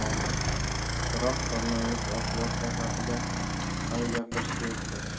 bog'liq biroq koronavirus oqibatlari haqida hali gapirishga erta